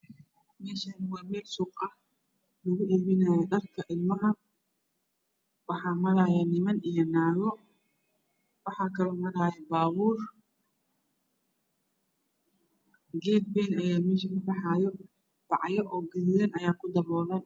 Meeshaani waa meel suuq ah lagu iibanaayo dharka ilmaha waxa maraayo niman iyo naago baabuur geed wayn ayaa meesha ka baxaayo bacyo wayn ayaa ku daboolan